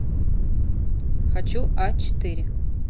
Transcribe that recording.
хочу а четыре